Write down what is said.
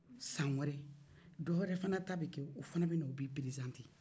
san wɛrɛ dɔ wɛrɛ fana ta bɛ kɛ o fana bɛ na o b'i perezante